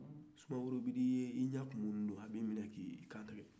sumaworo man'i ye i yɛ kumuni do a b'i kantigɛ